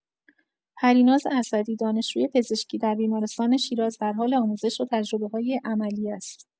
پریناز اسدی، دانشجوی پزشکی، در بیمارستان شیراز در حال آموزش و تجربه‌های عملی است.